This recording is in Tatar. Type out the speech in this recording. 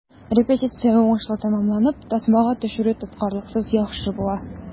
Репетиция уңышлы тәмамланып, тасмага төшерү тоткарлыксыз яхшы була.